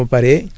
ci kaw ñax mi